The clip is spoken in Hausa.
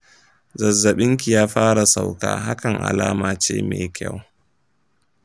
zazzabin ki ya fara sauka, hakan alamace mai kyau.